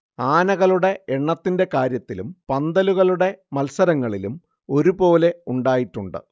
ആനകളുടെ എണ്ണത്തിന്റെ കാര്യത്തിലും പന്തലുകളുടെ മത്സരങ്ങളിലും ഒരു പോലെ ഉണ്ടായിട്ടുണ്ട്